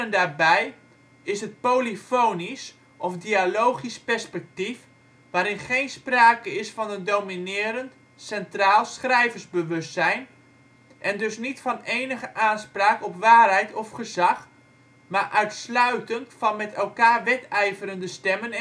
daarbij is het polyfonisch (of dialogisch) perspectief, waarin geen sprake is van een dominerend, centraal schrijversbewustzijn, en dus niet van enige aanspraak op waarheid of gezag, maar uitsluitend van met elkaar wedijverende stemmen en